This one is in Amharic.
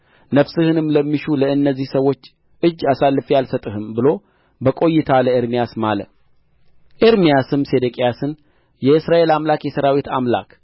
ነፍስህንም ለሚሹ ለእነዚህ ሰዎች እጅ አሳልፌ አልሰጥህም ብሎ በቈይታ ለኤርምያስ ማለ ኤርምያስም ሴዴቅያስን የእስራኤል አምላክ የሠራዊት አምላክ